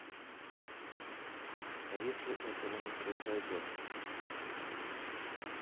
а если этого не произойдет